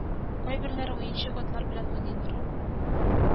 Кайберләре уенчык атлар белән уйныйлар